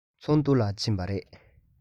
ཚོགས འདུ ལ ཕྱིན པ རེད